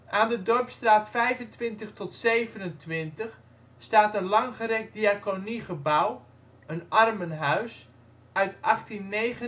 Aan de Dorpstraat 25-27 staat een langgerekt diaconiegebouw (armenhuis) uit 1879